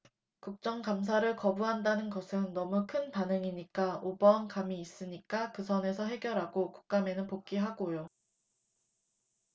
국정 감사를 거부한다는 것은 너무 큰 반응이니까 오버한 감이 있으니까 그 선에서 해결하고 국감에는 복귀하고요